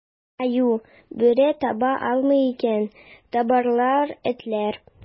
Аю, бүре таба алмый икән, табарлар этләр.